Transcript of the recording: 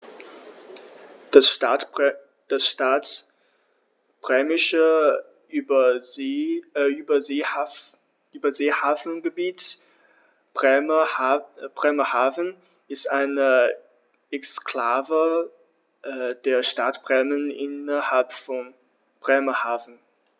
Das Stadtbremische Überseehafengebiet Bremerhaven ist eine Exklave der Stadt Bremen innerhalb von Bremerhaven.